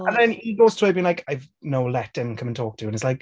And then he goes to her being like "No let him come and talk to you." And it's like...